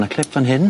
Ma' clip fan hyn?